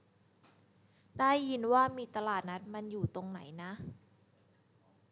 ได้ยินว่ามีตลาดนัดมันอยู่ตรงไหนนะ